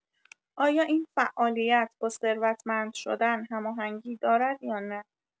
آیا این فعالیت با ثروتمند شدن هماهنگی دارد یا نه؟